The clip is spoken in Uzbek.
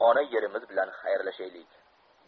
ona yerimiz bilan xayrlashaylik